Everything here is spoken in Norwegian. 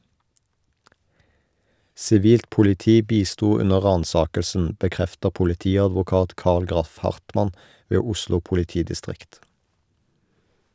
Sivilt politi bisto under ransakelsen, bekrefter politiadvokat Carl Graff Hartmann ved Oslo politidistrikt.